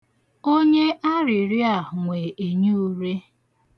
Onye arịrịo a nwe enyiure.